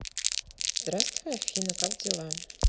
здравствуй афина как дела